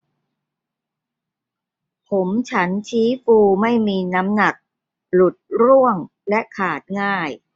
ผมฉันชี้ฟูไม่มีน้ำหนักหลุดร่วงและขาดง่าย